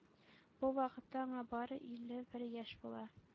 Бу вакытта аңа бары илле бер яшь була.